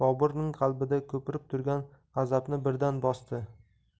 boburning qalbida ko'pirib turgan g'azabni birdan bosdi